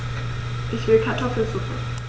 Ich will Kartoffelsuppe.